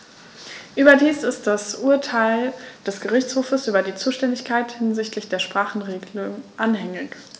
Überdies ist das Urteil des Gerichtshofes über die Zuständigkeit hinsichtlich der Sprachenregelung anhängig.